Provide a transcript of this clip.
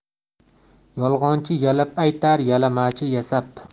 yolg'onchi yalab aytar yalamachi yasab